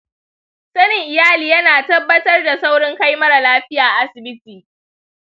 sanin iyali yana tabbatar da saurin kai mara lafiya asibiti.